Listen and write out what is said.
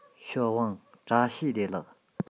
ཞའོ ཝང བཀྲ ཤིས བདེ ལེགས